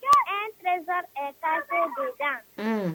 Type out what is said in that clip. E an son sɔrɔ ka se la